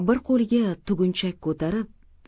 bir qo'liga tugunchak ko'tarib